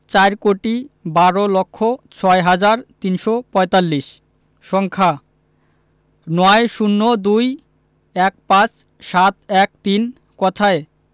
চার কোটি বার লক্ষ ছয় হাজার তিনশো পঁয়তাল্লিশ সংখ্যাঃ ৯ ০২ ১৫ ৭১৩ কথায়ঃ